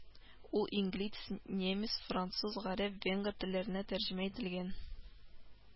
Ул инглиз, немец, француз, гарәп, венгр телләренә тәрҗемә ителгән